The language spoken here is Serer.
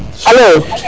alo